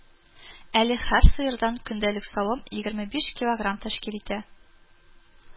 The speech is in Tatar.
Әле һәр сыердан көндәлек савым егерме биш килограмм тәшкил итә